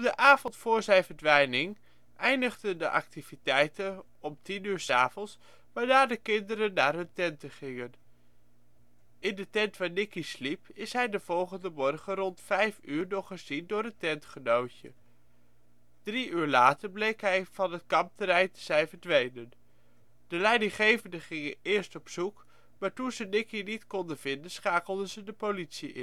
avond voor zijn verdwijning eindigden de activiteiten om 22:00 uur, waarna de kinderen naar hun tenten gingen. In de tent waar Nicky sliep is hij de volgende morgen rond 5:00 uur nog gezien door een tentgenootje. Drie uur later bleek hij van het kampterrein te zijn verdwenen. De leidinggevenden gingen eerst op zoek, maar toen ze Nicky niet konden vinden schakelden ze de politie